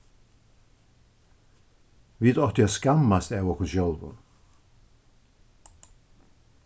vit áttu at skammast av okkum sjálvum